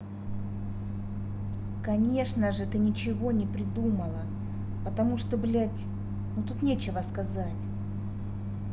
конечно же ты ничего не придумала потому что блядь ну тут нечего сказать